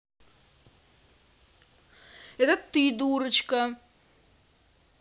это ты дурочка